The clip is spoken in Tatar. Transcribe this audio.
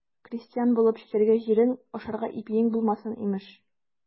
Крестьян булып, чәчәргә җирең, ашарга ипиең булмасын, имеш.